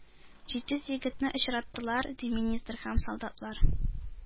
Җитез егетне очраттылар, ди, министр һәм солдатлар.